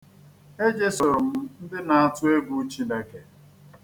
E jesoro m ndị na-atụ egwu Chineke.